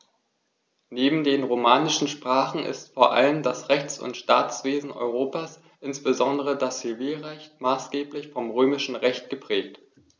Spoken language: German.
Neben den romanischen Sprachen ist vor allem das Rechts- und Staatswesen Europas, insbesondere das Zivilrecht, maßgeblich vom Römischen Recht geprägt.